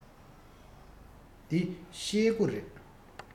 འདི ཤེལ སྒོ རེད